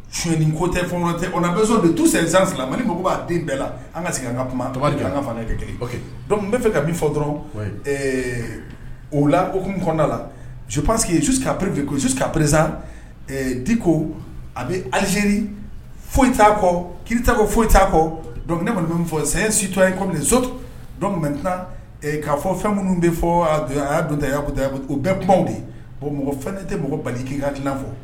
Sononi ko tɛ fɛn tɛ oso de tu sɛsan sabamani ko b'a den bɛɛ la an ka segin an ka kuma tari an ka kɛ bɛa fɛ ka bin fɔ dɔrɔn o la okumu kɔnda la su pa queseke su ka peree su ka perez di ko a bɛ alizeri foyi t'a kɔ kikɔ foyi t'a kɔ dɔnkili ne kɔni bɛ fɔ san sitɔ ye kɔmi sotu k'a fɔ fɛn minnu bɛ fɔ' don ta o bɛ kuma de bɔn mɔgɔ fɛn ne tɛ mɔgɔ bali k'i ka dilan fɔ